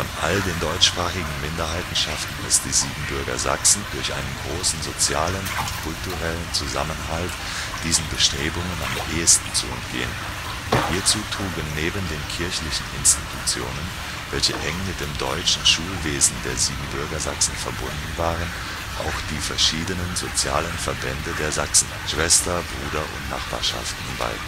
all den deutschsprachigen Minderheiten schafften es die Siebenbürger Sachsen durch einen großen sozialen und kulturellen Zusammenhalt, diesen Bestrebungen am ehesten zu entgehen. Hierzu trugen neben den kirchlichen Institutionen, welche eng mit dem deutschen Schulwesen der Siebenbürger Sachsen verbunden waren, auch die verschiedenen sozialen Verbände der Sachsen bei (Schwester -, Bruder - und Nachbarschaften) bei